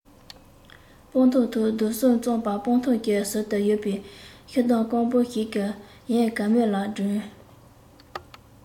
སྤང ཐང ཐོག རྡོ གསུམ བཙུགས པ སྤང ཐང གི ཟུར དུ ཡོད པའི ཤུག སྡོང སྐམ པོ ཞིག གི ཡལ ག མེ ལ སྒྲོན